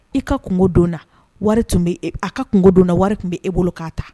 I ka kun donna wari tun a ka kungo donna wari tun bɛ e bolo k'a ta